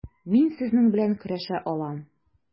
Мин сезнең белән көрәшә алам.